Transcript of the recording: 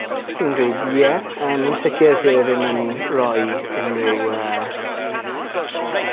Byswn i'n dweud ie. Yym yn sicir dyw e ddim yn rhoi unrhyw yy